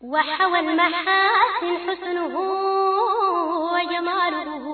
Wadu wakumadugu